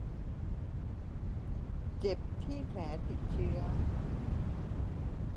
เจ็บที่แผลติดเชื้อ